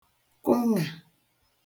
kụṅà